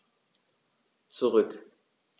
Zurück.